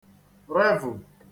revù